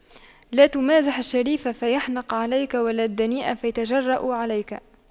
لا تمازح الشريف فيحنق عليك ولا الدنيء فيتجرأ عليك